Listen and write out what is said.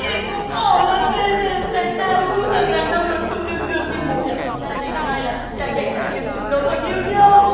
chị cũng khổ lắm em ạ tại sao cứ thằng đàn ông nào trông được được thì một đã có gia đình hai trai đẹp đã hiếm mà chúng nó còn yêu nhau